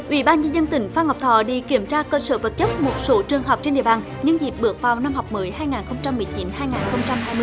ủy ban nhân dân tỉnh phan ngọc thọ đi kiểm tra cơ sở vật chất một số trường học trên địa bàn nhân dịp bước vào năm học mới hai ngàn không trăm mười chín hai ngàn không trăm hai mươi